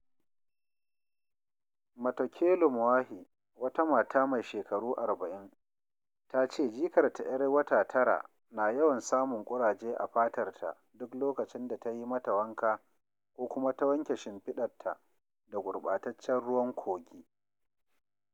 Matokelo Moahi, wata mata mai shekaru 40, ta ce jikarta 'yar wata tara na yawan samun ƙuraje a fatar ta duk lokacin da ta yi mata wanka ko kuma ta wanke shimfiɗinta da gurɓataccen ruwan kogi.